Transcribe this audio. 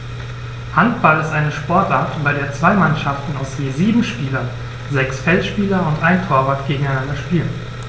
Handball ist eine Sportart, bei der zwei Mannschaften aus je sieben Spielern (sechs Feldspieler und ein Torwart) gegeneinander spielen.